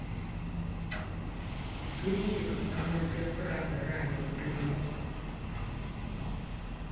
уберите комсомольская правда радио блядь